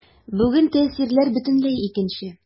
Бүген тәэсирләр бөтенләй икенче.